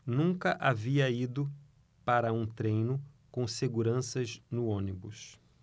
nunca havia ido para um treino com seguranças no ônibus